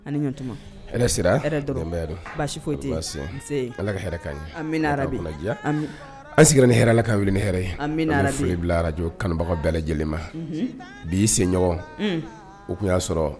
A ni ɲan tuma. Hɛrɛ si la? Hɛrɛ dɔrɔnw. an siigilen ni hɛrɛ ye allah k'an wuli ni hɛrɛ ye foli bila radio kanubaga bɛɛ lajɛlen ma, unhun, bi'i senɲɔgɔn o tun y'a sɔrɔ.